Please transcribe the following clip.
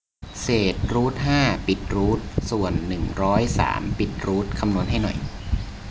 เศษรูทห้าปิดรูทส่วนรูทหนึ่งร้อยสามปิดรูทคำนวณให้หน่อย